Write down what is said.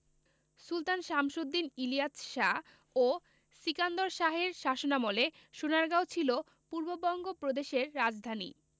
সুলতান শামসুদ্দীন ইলিয়াস শাহ ও সিকান্দর শাহের শাসনামলে সোনারগাঁও ছিল পূর্ববঙ্গ প্রদেশের রাজধানী